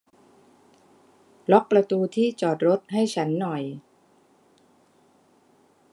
ล็อกประตูที่จอดรถให้ฉันหน่อย